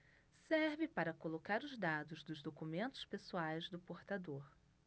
serve para colocar os dados dos documentos pessoais do portador